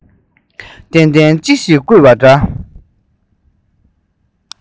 གཏན གཏན ཅི ཞིག བརྐུས པ འདྲ